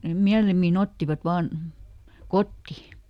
ne mielimmin ottivat vain kotiin